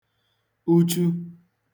uchu